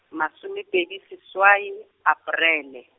masomepedi seswai, Aparele.